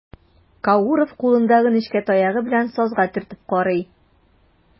Кауров кулындагы нечкә таягы белән сазга төртеп карый.